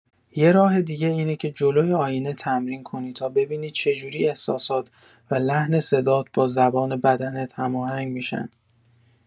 یه راه دیگه اینه که جلوی آینه تمرین کنی تا ببینی چجوری احساسات و لحن صدات با زبان بدنت هماهنگ می‌شن.